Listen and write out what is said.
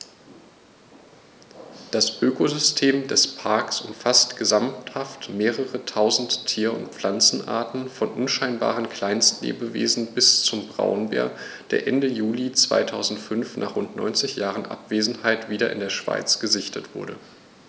Das Ökosystem des Parks umfasst gesamthaft mehrere tausend Tier- und Pflanzenarten, von unscheinbaren Kleinstlebewesen bis zum Braunbär, der Ende Juli 2005, nach rund 90 Jahren Abwesenheit, wieder in der Schweiz gesichtet wurde.